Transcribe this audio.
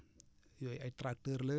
yooyu ay tracteurs la